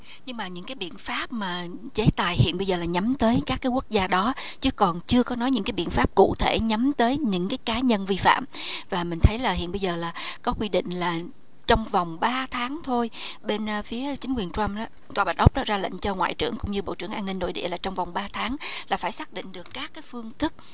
nhưng mà những cái biện pháp mà chế tài hiện bây giờ là nhắm tới các quốc gia đó chứ còn chưa có nói những biện pháp cụ thể nhắm tới những cái cá nhân vi phạm và mình thấy là hiện bây giờ là có quy định là trong vòng ba tháng thôi bên phía chính quyền trăm đó tòa bạch ốc đó đã ra lệnh cho ngoại trưởng cũng như bộ trưởng an ninh nội địa là trong vòng ba tháng là phải xác định được các các phương thức